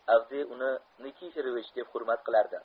avdiy uni nikiforovich deb hurmat qilardi